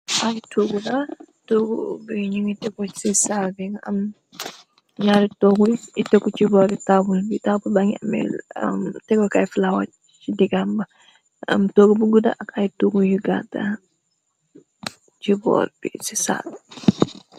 Ay toogu la, tooggu bi ñu ngi tegu ci saal bi mu am ñaari toogu yu tegu ci boori tabul bi. Taabl ba ngi ameh am tegokay yu flower ci digam. Am tooggu bu guda ak ay tooggu yu gattaa ci boor bi ci saal bi.